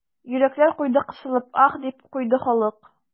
Йөрәкләр куйды кысылып, аһ, дип куйды халык.